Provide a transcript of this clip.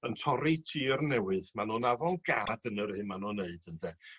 yn torri tir newydd ma' nw'n avant garde yn yr hun ma'n n'w neud ynde.